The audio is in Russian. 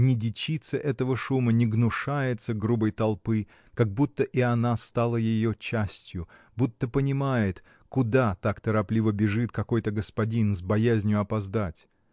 не дичится этого шума, не гнушается грубой толпы, как будто и она стала ее частью, будто понимает, куда так торопливо бежит какой-то господин, с боязнью опоздать